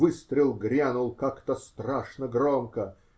Выстрел грянул как-то страшно громко.